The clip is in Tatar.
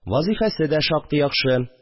Вазыйфәсе дә шактый яхшы